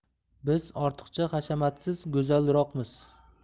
biz ortiqcha hashamatsiz go'zalroqmiz